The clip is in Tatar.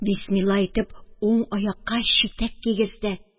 Бисмилла әйтеп, уң аякка читек кигезде.